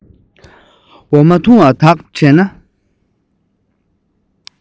འོ མ འཐུང བ དག དྲན ན